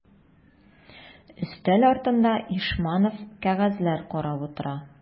Өстәл артында Ишманов кәгазьләр карап утыра.